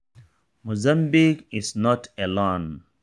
Mozambique is not alone.